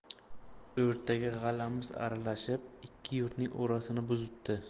o'rtaga g'alamis aralashib ikki yurtning orasini buzibdi